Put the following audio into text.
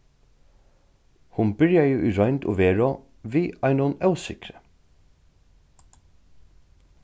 hon byrjaði í roynd og veru við einum ósigri